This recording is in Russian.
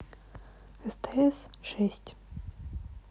стс шесть